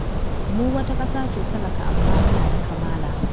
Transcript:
“Mu wata ƙasa ce talaka, amma muna da kamala.